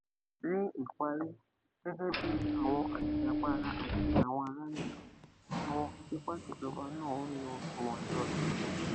Ní ìparí, gẹ́gẹ́ bíi àwọn ajìjàgbara àti àwọn ará-ìlú, àwọn afipáṣèjọba náà ń lo ìmọ̀-ẹ̀rọ tuntun.